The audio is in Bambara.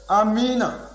amiina